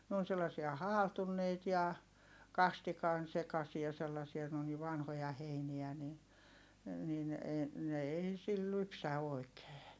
ne on sellaisia haaltuneita ja kastikan sekaisia sellaisia ne on niin vanhoja heiniä niin niin ei ne ei sillä lypsä oikein